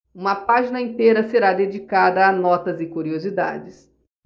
uma página inteira será dedicada a notas e curiosidades